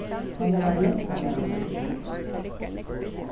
hann var ein mentamaður